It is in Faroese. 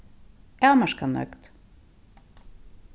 avmarkað nøgd